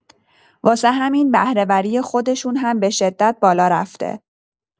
واسه همین بهره‌وری خودشون هم به‌شدت بالا رفته.